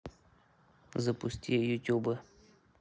запусти ютубы